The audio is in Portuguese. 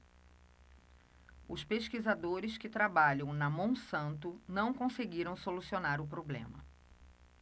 os pesquisadores que trabalham na monsanto não conseguiram solucionar o problema